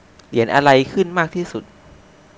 เหรียญอะไรขึ้นมากที่สุด